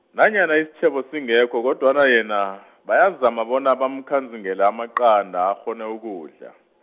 nanyana isitjhebo singekho kodwana yena, bayazama bona bamkhanzingele amaqanda akghone ukudla.